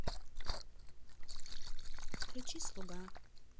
включи слуга